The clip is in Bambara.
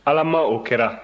ala maa o kɛra